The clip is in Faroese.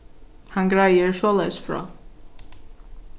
hann greiðir soleiðis frá